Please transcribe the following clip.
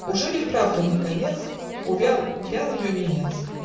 Ужель и вправду наконец Увял, увял ее венец?